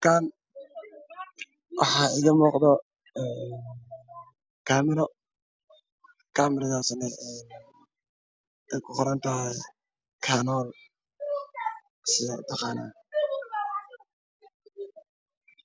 Halkan waxa iigamuqdo kamiro kamiridasna aykaqorantahay kanol sida utaqanan